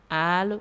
Allo